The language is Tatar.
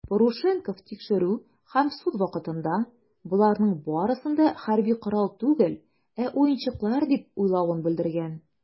Парушенков тикшерү һәм суд вакытында, боларның барысын да хәрби корал түгел, ә уенчыклар дип уйлавын белдергән.